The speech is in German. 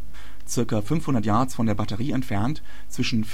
Yards von der Batterie entfernt, zwischen